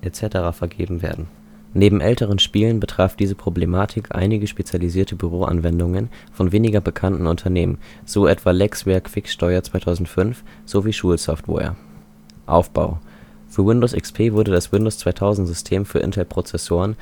etc.) vergeben werden. Neben älteren Spielen betraf diese Problematik einige spezialisierte Büroanwendungen von weniger bekannten Unternehmen (so etwa „ Lexware Quicksteuer 2005 “) sowie Schulsoftware. Für Windows XP wurde das Windows-2000-System für Intel-Prozessoren